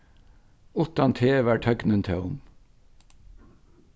uttan teg var tøgnin tóm